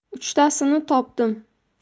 uchtasini topdim